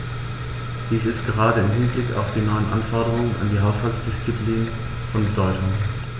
Dies ist gerade im Hinblick auf die neuen Anforderungen an die Haushaltsdisziplin von Bedeutung.